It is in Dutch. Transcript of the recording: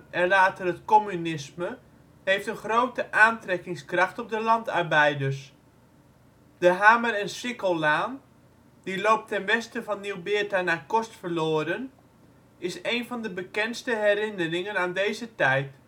en later het communisme heeft een grote aantrekkingskracht op de landarbeiders. De Hamer en Sikkellaan, die loopt ten westen van Nieuw-Beerta naar Kostverloren, is een van de bekendste herinneringen aan deze tijd